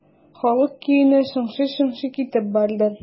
Халык көенә шыңшый-шыңшый китеп барды.